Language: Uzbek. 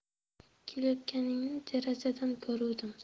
kelayotganingni derazadan ko'ruvdim